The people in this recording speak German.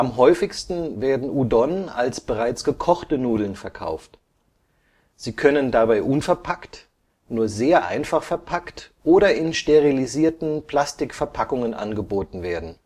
häufigsten werden Udon als bereits gekochte Nudeln verkauft. Sie können dabei unverpackt, nur sehr einfach verpackt oder in sterilisierten Plastikverpackungen angeboten werden